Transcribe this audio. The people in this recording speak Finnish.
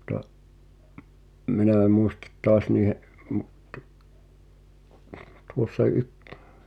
mutta minä en muista taas niiden -- tuossa -